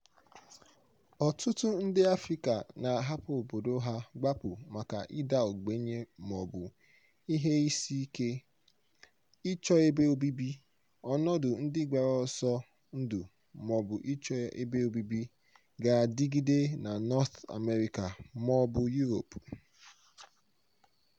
Ọtụtụ ndị Afrịka na-ahapụ obodo ha gbapụ maka ịda ogbenye mọọbụ ihe isi ike, ịchọ ebe obibi, ọnọdụ ndị gbara ọsọ ndụ mọọbụ ịchọ ebe obibi ga-adịgide na North America mọọbụ Europe.